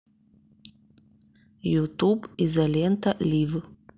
ютуб изолента лив